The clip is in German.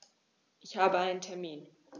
Ich habe einen Termin.